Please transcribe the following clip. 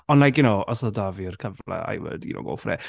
Ond like, you know os oedd 'da fi'r cyfle I would, you know, go for it.